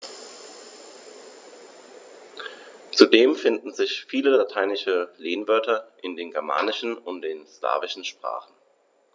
Zudem finden sich viele lateinische Lehnwörter in den germanischen und den slawischen Sprachen.